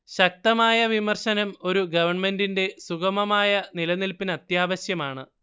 ശക്തമായ വിമർശനം ഒരു ഗവൺമെന്റിന്റെ സുഗമമായ നിലനില്പിനത്യാവശ്യമാണ്